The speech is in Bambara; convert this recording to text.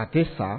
A tɛ sa